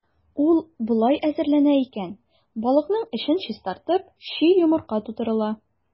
Ул болай әзерләнә икән: балыкның эчен чистартып, чи йомырка тутырыла.